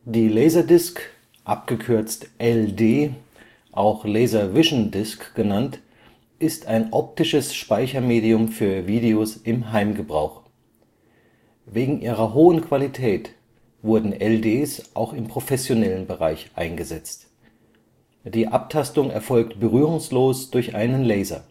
Die Laserdisc (LD), auch Laservisiondisc genannt, ist ein optisches Speichermedium für Videos im Heimgebrauch. Wegen ihrer hohen Qualität wurden LDs auch im professionellen Bereich eingesetzt. Die Abtastung erfolgt berührungslos durch einen Laser